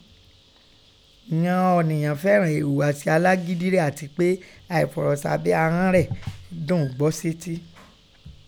Ìghọn ọn ọ̀nìyàn fẹ́ràn ẹ̀hùghàsí alágídíi rẹ̀ àti pé àìfọ̀rọ̀ sábẹ́ ahọ́n ọn rẹ̀ dùn ún gbọ́ sétí.